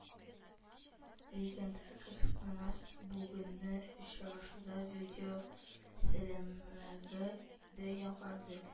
Легендар космонавт бүгенне очрашуда видеосәламләве дә яңгырады